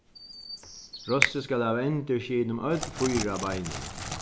rossið skal hava endurskin um øll fýra beinini